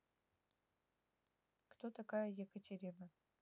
кто такая екатерина